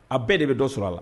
A bɛɛ de bɛ dɔ sɔrɔ a la